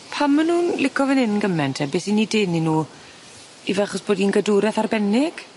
Pam ma' nw'n lico fyn 'yn gyment ye beth sy'n 'u denu nw yfe achos bod 'i'n gadwraeth arbennig?